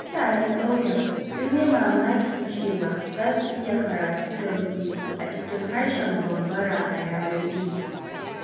Mutanen ƙauyen sun yi mamakin cewa za su iya karatu da rubutu a cikin harshen Bambara a yanar gizo!